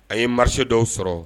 A ye mari dɔw sɔrɔ